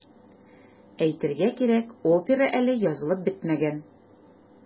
Әйтергә кирәк, опера әле язылып бетмәгән.